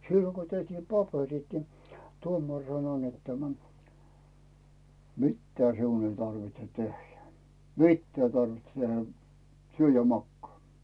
silloin kun tehtiin paperit niin tuomari sanoi että tämä mitään sinun ei tarvitse tehdä mitään ei tarvitse tehdä syö ja makaa